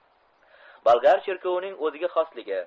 bolgar cherkovining o'ziga xosligi